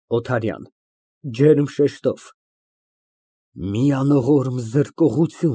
ՕԹԱՐՅԱՆ ֊ (Ջերմ շեշտով) Մի անողորմ զրկողություն։